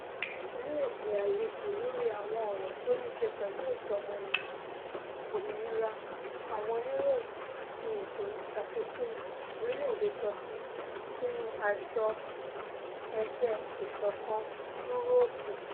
Wọn tí ni èdè-àìyede lórí àwọn ọ̀rọ̀ tó nííṣe pẹ̀lú ẹ̀tọ̀ ọmọniyàn, òmìnira àwọn oníròyìn àti ètò ìṣàfikún orílẹ̀-èdè Tọki sínú àjọ EU.